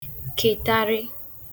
kètàri